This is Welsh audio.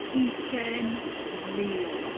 ugain mil.